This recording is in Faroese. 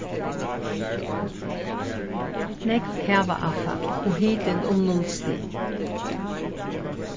nógv kavaavfall og hitin um null stig